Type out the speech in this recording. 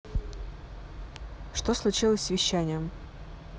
что случилось с вещанием